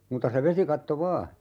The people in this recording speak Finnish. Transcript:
muuta se vesikatto vain